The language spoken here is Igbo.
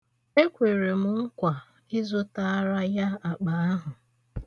Ekwere m nkwa ịzụtaara ya akpa ahụ.